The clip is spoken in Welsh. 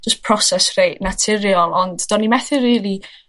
jys proses rheit naturiol, ond do'n i methu rili